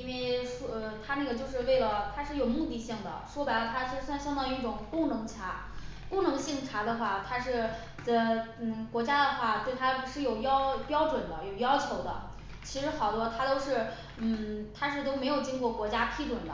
因为呃它那就是为了它是有目的性的，说白了它是算相当于一种功能茶功能性茶的话它是呃嗯国家的话对它是有要标准的有要求的其实好多它都是嗯 它是都没有经过国家批准的，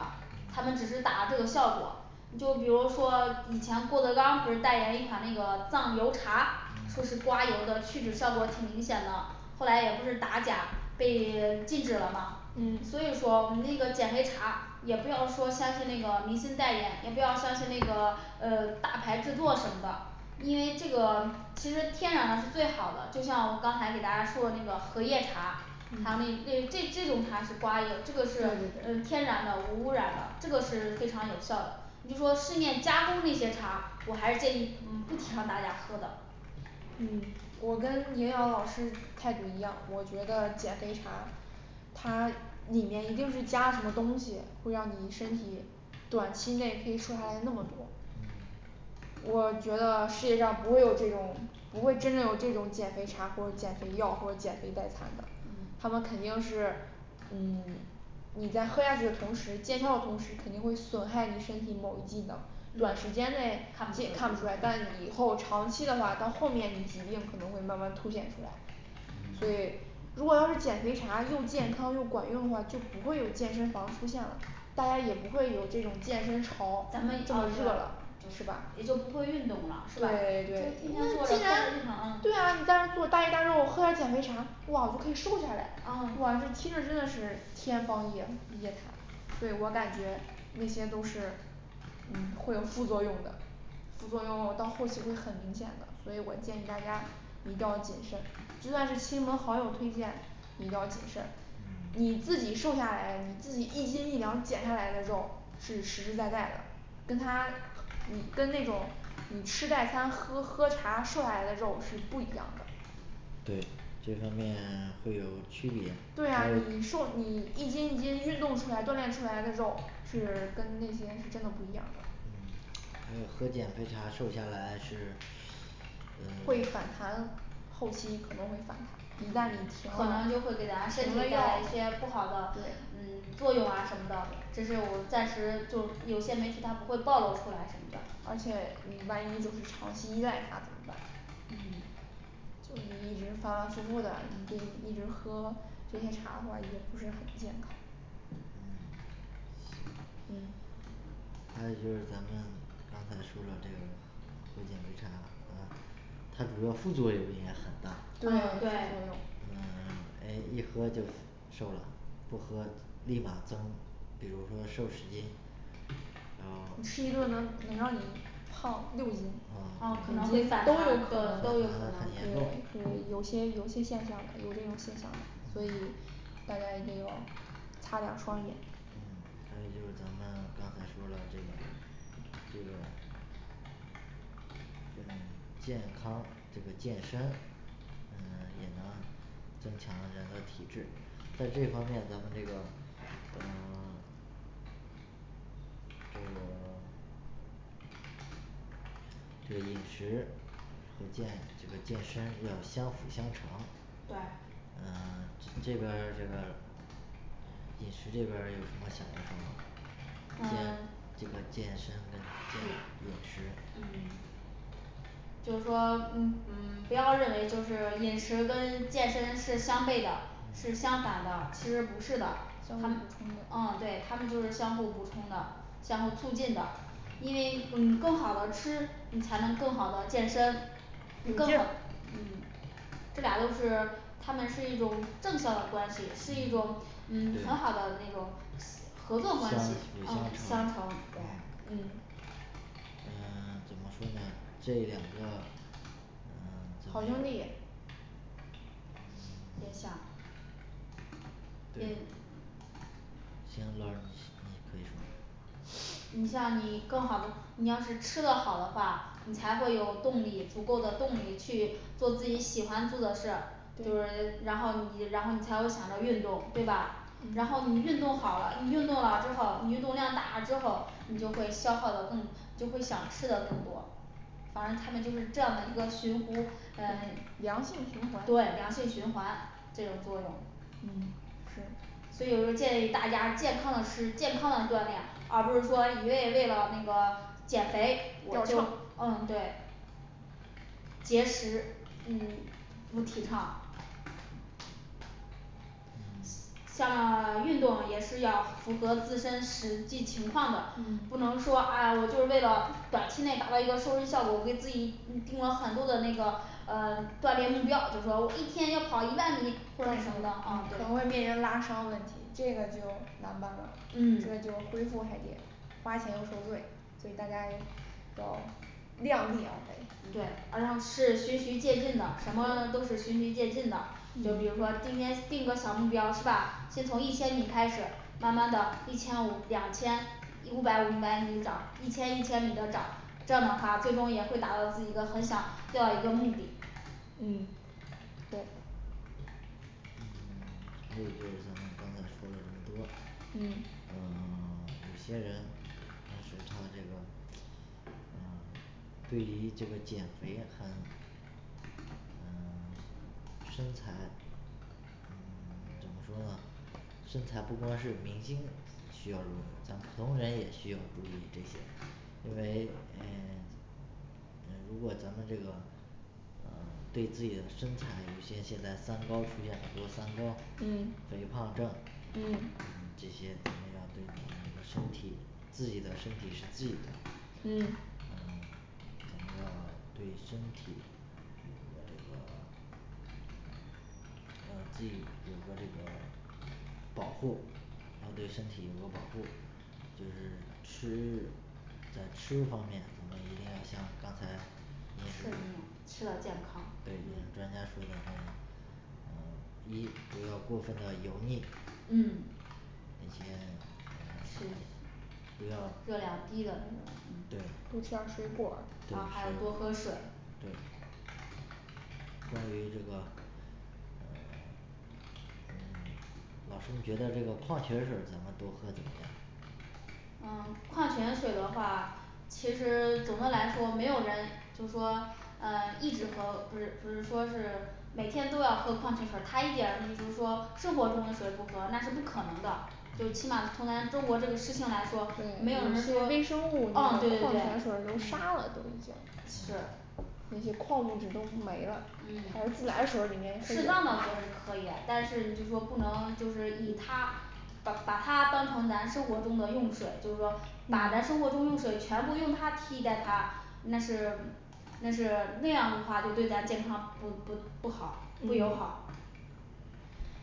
它嗯们只是打了这个效果你就比如说以前郭德纲不是代言一款那个藏油茶，说是嗯刮油的去脂效果挺明显的，后来也不是打假被禁止了吗嗯所以说我们这个减肥茶也不要说相信那个明星代言，也不要相信那个呃大牌制作什么的因为这个其实天然最好的，就像我刚才给大家说的那个荷叶茶，还有嗯那这这这种茶是刮油对对这个是嗯天然对的无污染的，这个是非常有效的，你就说市面加工那些茶，我还建议嗯不提倡大家喝的嗯我跟营养老师态度一样，我觉得减肥茶它里面一定是加什么东西，会让你身体短期内可以瘦下来那么多嗯我觉得世界上不会有这种不会真正有这种减肥茶或者减肥药或者减肥代餐的，他嗯们肯定是嗯 你在喝下去的同时见效的同时，肯定会损害你身体某一机能，短时间内对你看看不不出出来来，但是以后长期的话到后面你疾病可能会慢慢凸显出来嗯所以如果要是减肥茶又健康又管用的话，就不会有健身房出现了。大家也不会有这种健身潮这咱么们也热是吧也就不会运动了是吧对对那既然对呀你在那我大鱼大肉我喝点儿减肥茶哇就可以瘦下来啊哇这听着真的是天方夜夜谭对我感觉那些都是嗯会有副作用的副作用到后期会很明显的，所以我建议大家一定要谨慎就算你亲朋好友推荐你要谨慎嗯你自己瘦下来，你自己一斤一两减下来的肉是实实在在的跟他喝 你跟那种你吃代餐喝喝茶瘦下来的肉是不一样的对这方面 会有区别对呀还有你瘦你一斤一斤运动出来锻炼出来的肉是跟那些是真的不一样的嗯还有喝减肥茶瘦下来是呃 会反弹后期可能会反弹一旦你停了可停了能药就会对给咱身体带来一些不好的嗯 作用啊什么的这是我暂时做有些媒体它不会暴露出来什么的而且你万一就是长期依赖它怎么办嗯就你一直反反复复的你就一直喝这些茶的话也不是很健康嗯嗯行嗯还有就是咱们刚才说了这个喝减肥茶还它主要副作用也很大对副嗯作用嗯对 诶一喝就瘦啦不喝立马增比如说瘦十斤然后你吃一顿能能让你胖六斤啊能五哦斤反弹都有这个可能都有还可还还能很严都有对重有些有些现象有这种现象所以嗯大家一定要擦亮双眼嗯还有就是咱们刚才说了这这个跟健康这个健身嗯也能增强人的体质在这方面咱们这个呃 都有 就饮食和健这个健身要相辅相成对呃 这边儿这个饮食这边儿有什么想要说吗健啊这个健身跟健饮食嗯就说嗯嗯不要认为就是饮食跟健身是相背的是嗯相反的其实不是的啊相互补充的嗯对它们就是相互补充的相互促进的，嗯因为嗯更好的吃你才能更好的健身。你有更这好嗯这这俩都是他们是一种正效的关系是一嗯种嗯很对好的那种合相作关系辅呃相相成成对嗯呃 怎么说呢这两个呃怎好么兄弟样行老师你你可以说 你像你更好的你要是吃的好的话，你才会有动力足够的动力去做自己喜欢做的事儿，就是对然后你然后你才会马上运动对吧然嗯后你运动好了，你运动了之后，你运动量大了之后你就会消耗的更就会想吃的更多反正他们就是这样的一个循呼呃对良良性循环性循环这种作用嗯是所以我就建议大家健康的吃健康的锻炼，而不是说一味为了那个减肥掉秤嗯对节食嗯不提倡嗯 像 运动也是要符合自身实际情况的，不能说啊我就是为了短期内达到一个瘦身效果，我给自己嗯定了很多的那个呃锻炼目标，比如说我一天要跑一万米锻到炼时什么的候啊可对能会面临拉伤问题这个就难办了这个就恢复还得花钱又受罪所以大家一要量力而对为而要是循序渐进的，什么呢都是循序渐进的，就比如说今天订个小目标是吧先从一千米开始慢慢的一千五两千五百五百米地涨一千一千米地涨这样的话最终也会达到自己一个很想要一个目的嗯对嗯 还有就是咱们刚才说的这么多，嗯嗯嗯 有些人但是他这个呃对于这个减肥很嗯 身材嗯 怎么说呢身材不光是明星需要，咱普通人也需要注意这些因为呃 呃如果咱们这个呃对自己的身材，有些现在三高出现很多三高，肥嗯胖症嗯嗯这些咱们要对咱们这身体自己的身体是自己呃嗯咱们要对身体比如说这个 呃对有个这个保护要对身体有个保护就是，吃 在吃方面咱们一定要像刚才饮食吃的健康对饮食专家说的那种呃第一不要过分的油腻嗯那些呃不要热量低的对多吃点儿水果啊儿还对要多喝水对关于这个呃 嗯 老师你觉得这个矿泉水儿行吗多喝怎么样啊矿泉水的话其实总的来说没有人就是说呃一直喝，不是不是说是每天都要喝矿泉水儿，他一点儿你比如说生活中的水不喝那是不可能的。就起码从咱中国这个事情来说对没有人有些说微生物什嗯么对的对矿对泉水儿都嗯杀了都已经是那些矿物质都没了还有自来水儿里面适当的喝是可以但是你这个不能就是以它把 把它当成咱生活中的用水，就是说把咱生嗯活中用水全部用它替代它，那是那是那样的话就对咱健康不不不好不友好嗯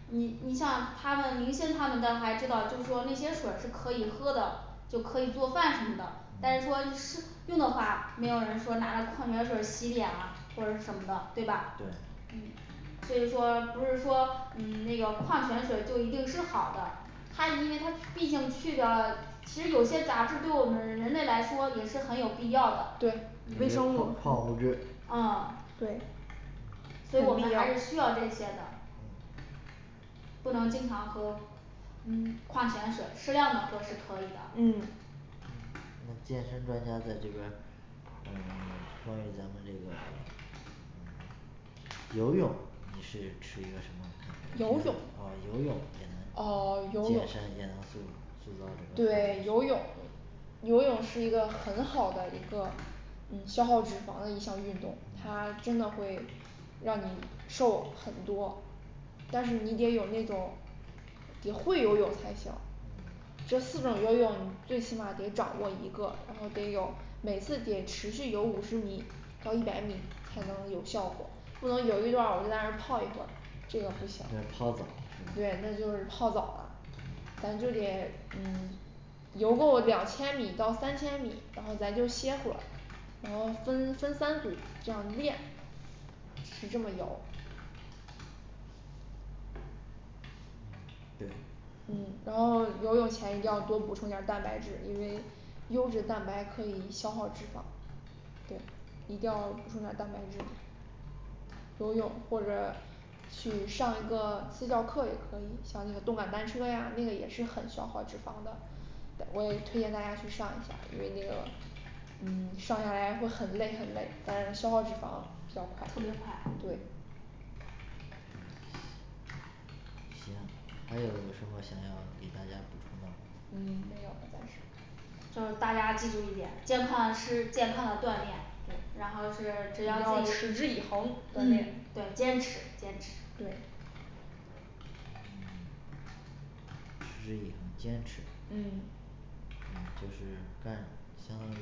你你像他们明星他们的还知道就是说那些水儿是可以喝的，就可以做饭什么的，但是说嗯吃 用的话没有人说拿着矿泉水儿洗脸啊或者什么的对吧对嗯所以说不是说嗯那个矿泉水就一定是好的它是因为它毕竟去掉了其实有些杂质对我们人类来说也是很有必要的对里微面生物矿矿物质啊对对我们还是需要这些的嗯不能经常喝嗯矿泉水适量的喝是可以嗯的嗯那么健身专家在这边儿呃 关于咱们这个 游泳你是持一个什么样看法你看游泳啊游泳也哦能健 健身 也能塑塑造这对个形游体泳游泳是一个很好的一个嗯消耗脂肪的一项运动，它嗯真的会让你瘦很多，但是你得有那种得会游泳才行嗯这四种游泳最起码得掌握一个，然后得有每次得持续有五十米到一百米才能有嗯效果，不能游一段我就在那泡一会儿这个不行那是泡澡儿是对吧那就是泡澡了嗯咱就得嗯嗯 游够两千米到三千米然后咱就歇会儿然后分分三组这样练是这么游嗯对嗯然后游泳前一定要多补充下儿蛋白质，因为优质蛋白可以消耗脂肪对一定要补充点儿蛋白质游泳或者去上一个私教课也可以像那个动感单车呀那个也是很消耗脂肪的。的我也推荐大家去上一下，因为那个嗯上下来会很累很累但消耗脂肪比较快特别快对对行还有什么想要给大家补充的吗？嗯没有了暂时还有大家记住一点健康地吃健康地锻炼然后对是你就只要你要持之以恒锻嗯炼对对坚持坚持对嗯 持之以恒坚持嗯嗯就是干相当于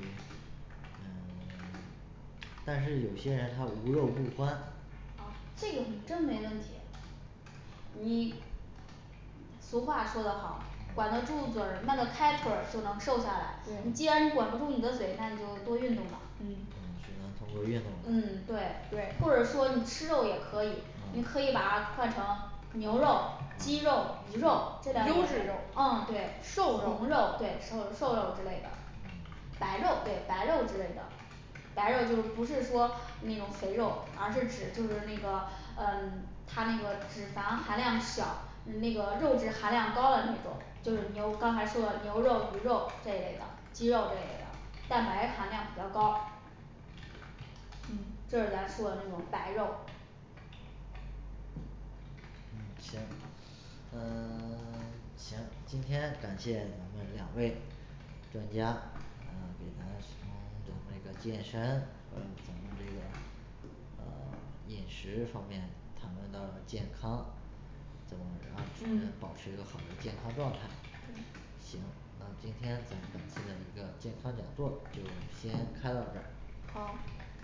呃 但是有些人他无肉不欢啊这个我们真没问题你俗话说的好，管的住嘴儿迈得开腿儿就能瘦下来，你对既然管不住你的嘴，那你就多运动了嗯嗯只能通过运嗯动了对对或者说你吃肉也可以，你可以啊把它换成牛肉鸡肉啊鱼肉优质肉嗯对瘦红肉肉对还有瘦肉之类的嗯白肉对白肉之类的白肉就不是说那种肥肉，而是指就是那个嗯 它那个脂肪含量小，那个肉质含量高的那种就是牛，刚才说的牛肉鱼肉这类的鸡肉这类的蛋白含量比较高嗯，这是咱说的那种白肉嗯行 嗯 行今天感谢咱们两位专家啊给咱从咱们这个健身和咱们这个啊 饮食方面谈论到健康怎么然后才能嗯保持一个好的健康状态行，那今天咱本次的一个健康讲座就先开到这好